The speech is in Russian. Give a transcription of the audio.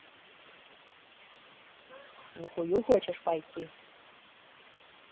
на хую хочешь пойти